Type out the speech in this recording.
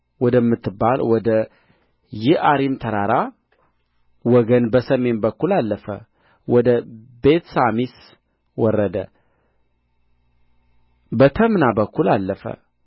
ወደምትባል ወደ ይዓሪም ተራራ ወገን በሰሜን በኩል አለፈ ወደ ቤትሳሚስ ወረደ በተምና በኩልም አለፈ